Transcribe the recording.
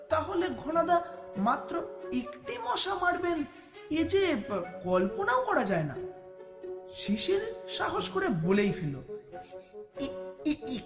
তাহলে ঘনাদা মাত্র একটি মারবেন এ যে কল্পনাও করা যায় না শিশির সাহস করে বলেই ফেলল একটি